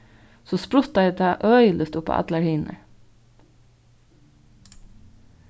so spruttaði tað øgiligt upp á allar hinar